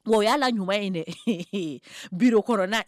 Bon o y'a la ɲuman in dɛ birikɔrɔna